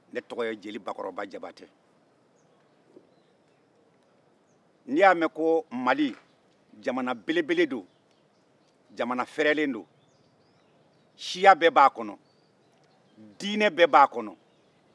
ne tɔgɔ ye jeli bakɔrɔba kuyatɛ n'i y'a mɛn ko mali jamana belebele don jamana fɛrɛlen do siya bɛɛ b'a kɔnɔ diinɛ bɛɛ b'a kɔnɔ